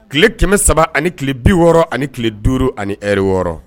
Tile kɛmɛ saba ani tile bi wɔɔrɔ ani tile duuru ani wɔɔrɔ